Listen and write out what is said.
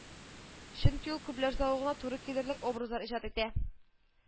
Чөнки ул күпләр зәвыгына туры килерлек образлар иҗат итә